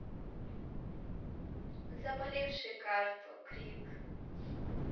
заболевший карту крик